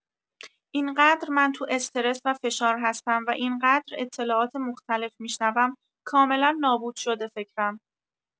اینقدر من تو استرس و فشار هستم و اینقدر اطلاعات مختلف می‌شنوم کاملا نابود شده فکرم.